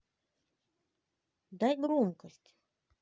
дай громкость